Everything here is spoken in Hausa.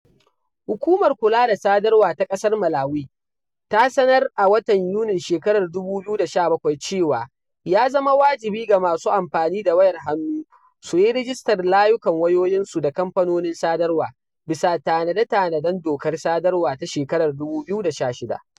Hukumar Kula da Sadarwa ta ƙasar Malawi ta sanar a watan Yunin shekarar 2017 cewa ya zama wajibi ga masu amfani da wayar hannu su yi rajistar layukan wayoyinsu da kamfanonin sadarwa, bisa tanade-tanaden dokar sadarwa ta shekarar 2016.